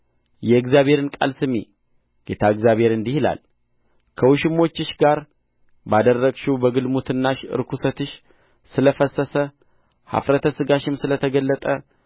የእግዚአብሔርን ቃል ስሚ ጌታ እግዚአብሔር እንዲህ ይላል ከውሽሞችሽ ጋር ባደረግሽው በግልሙትናሽ ርኵሰትሽ ስለ ፈሰሰ ኀፍረተ ሥጋሽም ስለ ተገለጠ